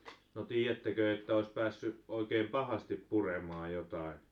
no tiedättekö että olisi päässyt oikein pahasti puremaan jotakin